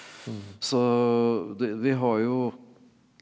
så vi har jo.